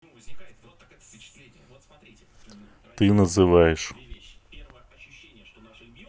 ты называешь